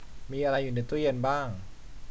มีอะไรอยู่ในตู้เย็นบ้าง